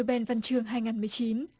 ben văn chương hai ngàn mười chín